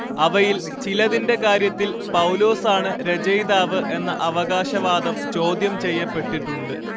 അവയിൽ ചിലതിന്റെ കാര്യത്തിൽ പൗലോസാണ്‌ രചയിതാവ് എന്ന അവകാശവാദം ചോദ്യംചെയ്യപ്പെട്ടിട്ടുണ്ട്